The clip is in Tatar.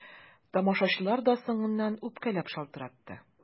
Тамашачылар да соңыннан үпкәләп шалтыратты.